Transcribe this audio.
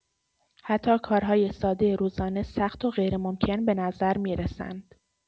حتی کارهای ساده روزانه سخت و غیرممکن به نظر می‌رسند.